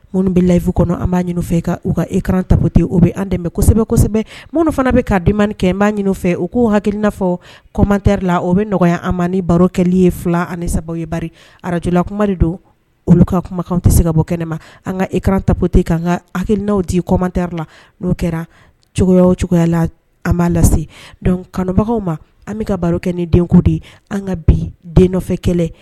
Minnu bɛ layifin kɔnɔ an b'a ɲini fɛ u ka ekran tapte o bɛ an dɛmɛ kosɛbɛ kosɛbɛ minnu fana bɛ ka dimani kɛ b'a ɲini fɛ u k' hakilinaafɔ kɔmatɛri la o bɛ nɔgɔya an ma baro kɛli ye fila ani sababu yeba ararajlakuma don olu ka kumakan tɛ se ka bɔ kɛnɛ ne ma an ka ekran tapte an ka hakilinaw di kɔmmantɛri la n'o kɛra cogoyaw cogoya la an' lase don kanubagaw ma an bɛ ka baro kɛ ni den de ye an ka bi den nɔfɛ kɛlɛ